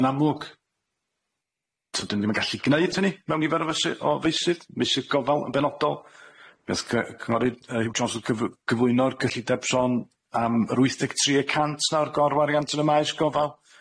Yn amlwg, t'od dyn ni ddim yn gallu gneud hynny mewn nifer o fysu- o feysydd, meysydd gofal yn benodol, mi nath cy- cynghorydd yy Huw Jones gyf- gyflwyno'r cyllideb sôn am yr wyth deg tri y cant na o'r gorwariant yn y maes gofal